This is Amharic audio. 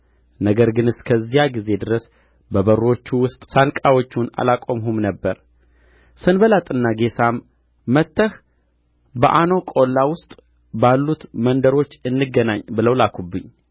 ነገር ግን እስከዚያ ጊዜ ድረስ በበሮቹ ውስጥ ሳንቃዎቹን አላቆምሁም ነበር ሰንባላጥና ጌሳም መጥተህ በኦኖ ቈላ ውስጥ ባሉት መንደሮች እንገናኝ ብለው ላኩብኝ